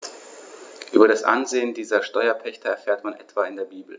Über das Ansehen dieser Steuerpächter erfährt man etwa in der Bibel.